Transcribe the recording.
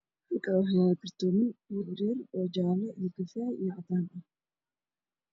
Halkan hoo yeelo karto ma caddaan iyo jaale kufee